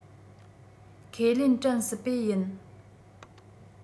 ཁས ལེན དྲན སྲིད པས ཡིན